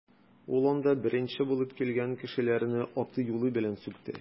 Ул анда беренче булып килгән кешеләрне аты-юлы белән сүкте.